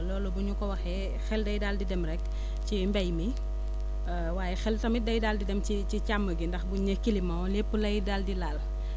loolu bu ñu ko waxee xel day daal di dem rek ci mbéy mi waaye xel tamit day daal di dem ci ci càmm gi ndax bu ñu nee climat lépp lay daal di laal